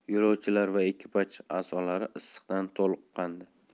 yo'lovchilar va ekipaj a'zolari issiqdan toliqqandi